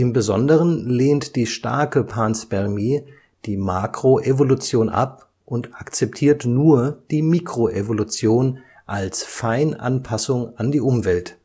Besonderen lehnt die starke Panspermie die Makroevolution ab und akzeptiert nur die Mikroevolution als Feinanpassung an die Umwelt